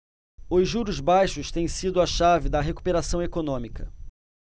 os juros baixos têm sido a chave da recuperação econômica